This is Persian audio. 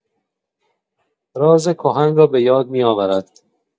راز کهن را بۀاد می‌آورد.